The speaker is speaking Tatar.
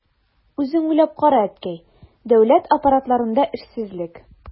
Үзең уйлап кара, әткәй, дәүләт аппаратларында эшсезлек...